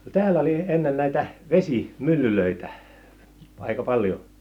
täällä oli ennen näitä vesimyllyjä aika paljon